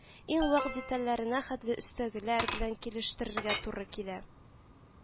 Иң вак детальләренә хәтле өстәгеләр белән килештерергә туры килә